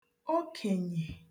okènyè